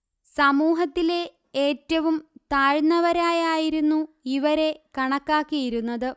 സമൂഹത്തിലെ ഏറ്റവും താഴ്ന്നവരായായിരുന്നു ഇവരെ കണക്കാക്കിയിരുന്നത്